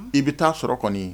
I bɛ taa sɔrɔ kɔni